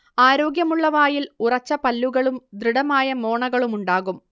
ആരോഗ്യമുള്ള വായിൽ ഉറച്ച പല്ലുകളും ദൃഢമായ മോണകളുമുണ്ടാകും